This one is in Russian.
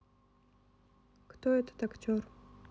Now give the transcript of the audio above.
кто этот актер